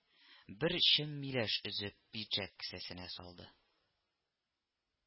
Бер чем миләш өзеп пиджәк кесәсенә салды